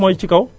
waa montagne